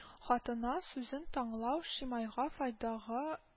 Хатына сүзен таңлау Шимайга файдага